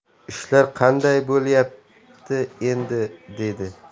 ishlar qanday bo'lyapti endi dedi